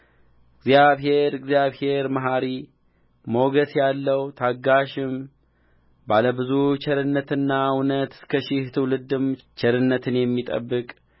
እግዚአብሔር እግዚአብሔር መሐሪ ሞገስ ያለው ታጋሽም ባለ ብዙ ቸርነትና እውነት እስከ ሺህ ትውልድም ቸርነትን የሚጠብቅ